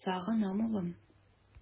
Сагынам, улым!